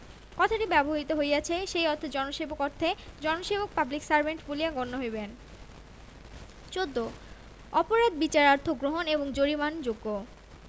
কথাটি ব্যবহৃত হইয়াছে সেই অর্থে জনসেবক অর্থে জনসেবক পাবলিক সার্ভেন্ট বলিয়া গণ্য হইবেন ১৪ অপরাধ বিচারার্থ গ্রহণ এবং জরিমানযোগ্য